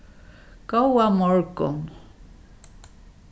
góðan morgun